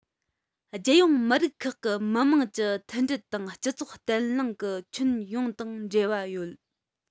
རྒྱལ ཡོངས མི རིགས ཁག གི མི དམངས ཀྱི མཐུན སྒྲིལ དང སྤྱི ཚོགས བརྟན ལྷིང གི ཁྱོན ཡོངས དང འབྲེལ བ ཡོད